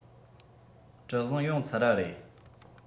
གྲུ གཟིངས ཡོངས ཚར པ རེད